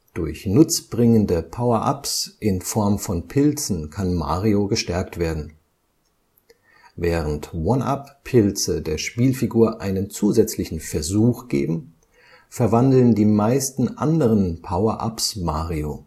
Durch nutzbringende Power-ups (Items) in Form von Pilzen kann Mario gestärkt werden. Während 1-UP-Pilze der Spielfigur einen zusätzlichen Versuch geben, verwandeln die meisten anderen Power-ups Mario